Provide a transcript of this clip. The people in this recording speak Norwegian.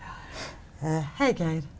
hei Geir.